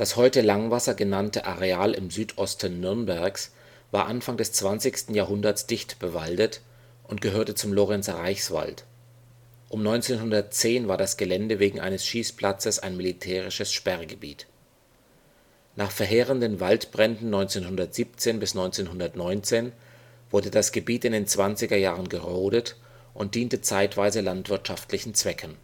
heute Langwasser genannte Areal im Südosten Nürnbergs war Anfang des 20. Jahrhunderts dicht bewaldet und gehörte zum Lorenzer Reichswald, um 1910 war das Gelände wegen eines Schießplatzes ein militärisches Sperrgebiet. Nach verheerenden Waldbränden 1917 bis 1919 wurde das Gebiet in den zwanziger Jahren gerodet und diente zeitweise landwirtschaftlichen Zwecken